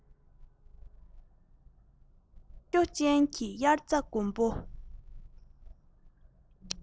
རྭ ཅོ ཅན གྱི དབྱར རྩྭ དགུན འབུ